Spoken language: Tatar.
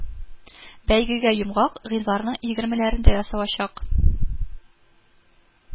Бәйгегә йомгак гыйнварның егермеләрендә ясалачак